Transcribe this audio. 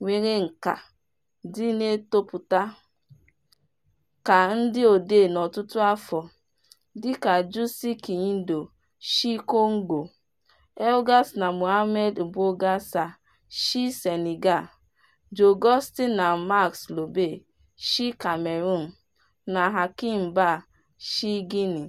nwere nkà ndị na-etopụta ka ndị odee n'ọtụtụ afọ, dịka Jussy Kiyindou si Congo, Elgas na Mohamed Mbougar Sarr si Senegal, Jo Güstin na Max Lobé si Cameroon, na Hakim Bah si Guinea.